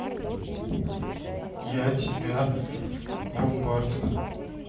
я тебя бумбарда